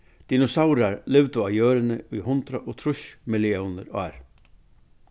dinosaurar livdu á jørðini í hundrað og trýss milliónir ár